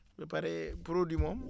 ba pare produit moom